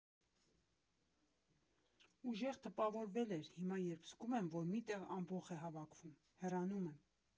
Ուժեղ տպավորվել էր, հիմա երբ զգում եմ, որ մի տեղ ամբոխ է հավաքվում, հեռանում եմ։